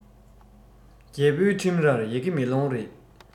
རྒྱལ པོའི ཁྲིམས རར ཡི གེ མེ ལོང རེད